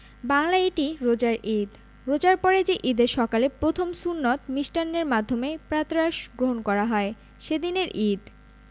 বাংলায় এটি রোজার ঈদ রোজার পরে যে ঈদের সকালে প্রথম সুন্নত মিষ্টান্নের মাধ্যমে প্রাতরাশ গ্রহণ করা হয় সে দিনের ঈদ